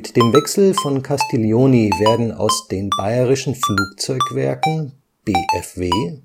dem Wechsel von Castiglioni werden aus den Bayerischen Flugzeugwerken (BFW